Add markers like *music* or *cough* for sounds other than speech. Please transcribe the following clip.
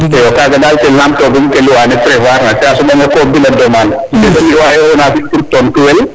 iyo kaga dal ten lam togum loi ne prevoir na bina demande *unintelligible* pour tontu wel